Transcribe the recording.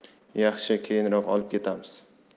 yaxshi keyinroq olib ketamiz